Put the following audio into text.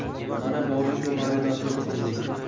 mana bori shu xaridor bir so'mlik